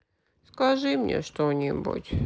скажи мне что нибудь